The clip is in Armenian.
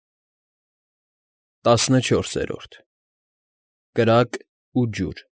ՏԱՍՆՉՈՐՍԵՐՈՐԴ ԿՐԱԿ ՈՒ ՋՈՒՐ։